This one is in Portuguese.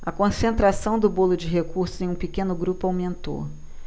a concentração do bolo de recursos em um pequeno grupo aumentou